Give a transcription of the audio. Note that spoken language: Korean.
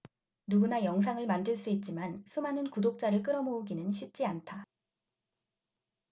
누구나 영상을 만들 수 있지만 수많은 구독자를 끌어 모으기는 쉽지 않다